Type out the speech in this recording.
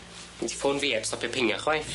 Di ffôn fi heb stopio pingio chwaith.